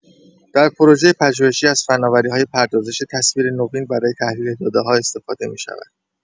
در پروژه پژوهشی از فناوری‌های پردازش تصویر نوین برای تحلیل داده‌ها استفاده می‌شود.